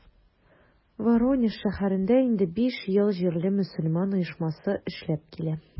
Воронеж шәһәрендә инде биш ел җирле мөселман оешмасы эшләп килә.